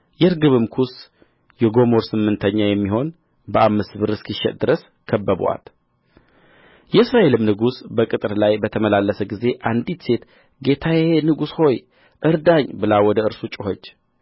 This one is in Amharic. የርግብም ኩስ የጎሞር ስምንተኛ የሚሆን በአምስት ብር እስኪሸጥ ድረስ ከበቡአት የእስራኤልም ንጉሥ በቅጥር ላይ በተመላለሰ ጊዜ አንዲት ሴት ጌታዬ ንጉሥ ሆይ እርዳኝ ብላ ወደ እርሱ ጮኸች